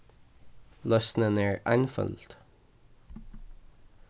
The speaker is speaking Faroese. loysnin er einføld